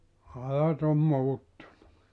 kyllä ne ajat on muuttunut